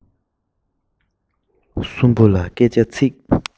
གསུམ པོ ལ སྐད ཆ ཚིག